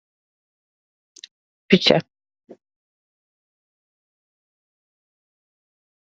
Picc